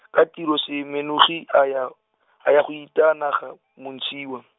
ka tiro Semenogi a ya, a ya go itanaga, Montshiwa.